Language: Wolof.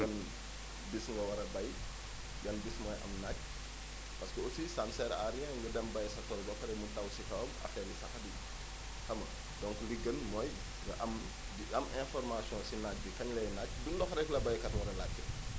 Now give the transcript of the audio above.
ban bés nga war a bay yan bés mooy am naaj parce aussi ça ne sert à rien nga dem bay sa tool ba pare mu taw si kawam affaire bi saxaat xam nga donc li gën mooy nga am di am information si naaj bi kañ lay naaj du ndox rek la baykat war a laaj